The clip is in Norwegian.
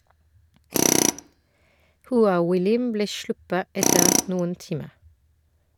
Hua Huilin ble sluppet etter noen timer.